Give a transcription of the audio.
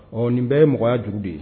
Ɔ nin bɛɛ ye mɔgɔ jugu de ye